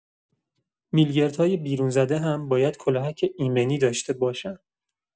میلگردهای بیرون‌زده هم باید کلاهک ایمنی داشته باشن.